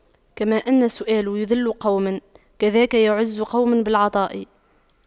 كما أن السؤال يُذِلُّ قوما كذاك يعز قوم بالعطاء